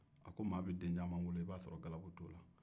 a ko mɔgɔ bɛ den cama wolo i b'a sɔrɔ galabu tɛ u la